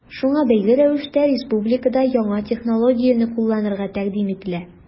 Шуңа бәйле рәвештә республикада яңа технологияне кулланырга тәкъдим ителә.